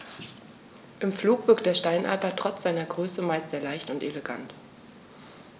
Im Flug wirkt der Steinadler trotz seiner Größe meist sehr leicht und elegant.